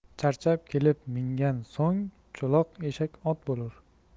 charchab kelib mingan so'ng cho'loq eshak ot bo'lur